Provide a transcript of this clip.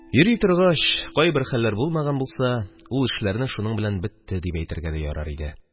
Йөри торгач кайбер хәлләр булмаган булса, ул эшләрне шуның белән бетте дип әйтергә дә ярар иде